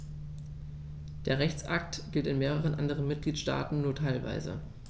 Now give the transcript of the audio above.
Der Rechtsakt gilt in mehreren anderen Mitgliedstaaten nur teilweise.